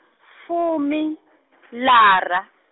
fumi lara.